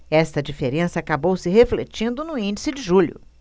esta diferença acabou se refletindo no índice de julho